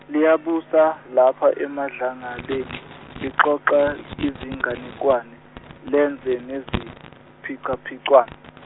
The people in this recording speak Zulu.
liyabusa lapha emadlangaleni, lixoxa izinganekwane, lenze neziphicaphicwano.